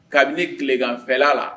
Kabini ne tileganfɛla la